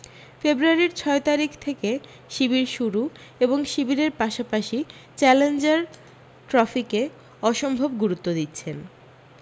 ফেব্রুয়ারীর ছয় তারিখ থেকে শিবির শুরু এবং শিবিরের পাশাপাশি চ্যালেঞ্জার ট্রফিকে অসম্ভব গুরুত্ব দিচ্ছেন